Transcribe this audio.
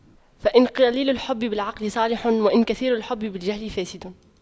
فإن قليل الحب بالعقل صالح وإن كثير الحب بالجهل فاسد